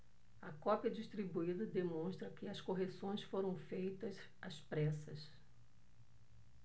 a cópia distribuída demonstra que as correções foram feitas às pressas